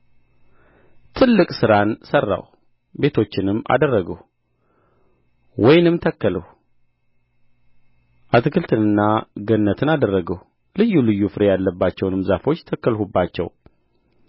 ትልቅ ሥራን ሠራሁ ቤቶችንም አደረግሁ ወይንም ተከልሁ አትክልትንና ገነትን አደረግሁ ልዩ ልዩ ፍሬ ያለባቸውንም ዛፎች ተከልሁባቸው